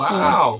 Waw!